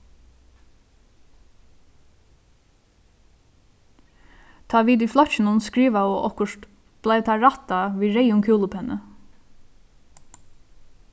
tá vit í flokkinum skrivaðu okkurt bleiv tað rættað við reyðum kúlupenni